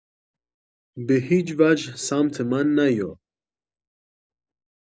به‌هیچ‌وجه سمت من نیا